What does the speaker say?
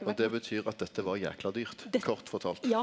og det betyr at dette var jækla dyrt kort fortalt.